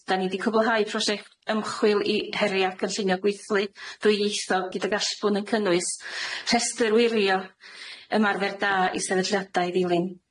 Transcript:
'dan ni 'di cwblhau prosiect ymchwil i heria' cynllunio gweithlu dwyieithog, gydag allbwn yn cynnwys rhestr wirio ymarfer da i sefydliadau i ddilyn.